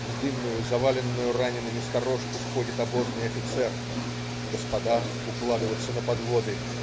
В дымную, заваленную ранеными сторожку входит обозный офицер. "Господа! Укладываться на подводы.